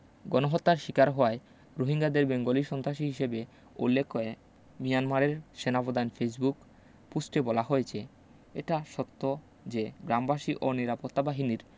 গণহত্যার শিকার হওয়ায় রোহিঙ্গাদের বেঙ্গলি সন্ত্রাসী হিসেবে উল্লেখ করে মিয়ানমারের সেনাপ্রধানের ফেসবুক পুস্টে বলা হয়েছে এটা সত্য যে গ্রামবাসী ও নিরাপত্তা বাহিনীর